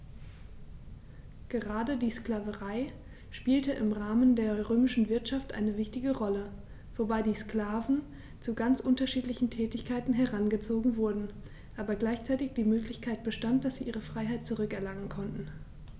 Gerade die Sklaverei spielte im Rahmen der römischen Wirtschaft eine wichtige Rolle, wobei die Sklaven zu ganz unterschiedlichen Tätigkeiten herangezogen wurden, aber gleichzeitig die Möglichkeit bestand, dass sie ihre Freiheit zurück erlangen konnten.